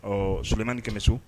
Ɔ solon naani kɛlɛ so